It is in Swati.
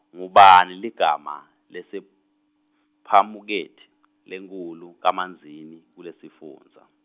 ngubani ligama lesuphamakethe lenkhulu kaManzini kulesifundza.